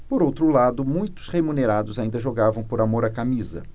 por outro lado muitos remunerados ainda jogavam por amor à camisa